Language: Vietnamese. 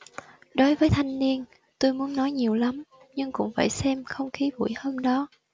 đối với thanh niên tôi muốn nói nhiều lắm nhưng cũng phải xem không khí buổi hôm đó